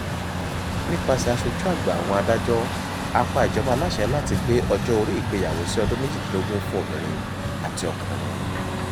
Nípasẹ̀ aṣojú àgbà àwọn adájọ́, a pa ìjọba láṣẹ láti gbé ọjọ́ orí ìgbéyàwó sí ọdún méjìdínlógún fún obìnrin àti ọkùnrin.